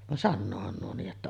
vaan sanoohan nuo niin että